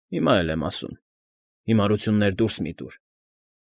Հիմա էլ եմ ասում։ Հիմարություններ դուրս մի՛ տուր։